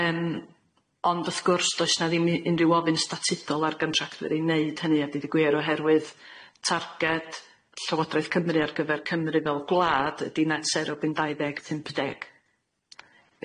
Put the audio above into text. Yym ond wrth gwrs does na ddim i- unrhyw ofyn statudol ar gyn- tractwyr i neud hynny a deuddi gwir oherwydd targed Llywodraeth Cymru ar gyfer Cymru fel gwlad ydi net sero 'byn dau ddeg pump deg.